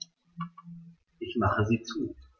Ich mache sie zu.